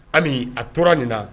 Ayi a tora nin na